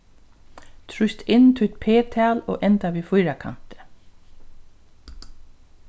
trýst inn títt p-tal og enda við fýrakanti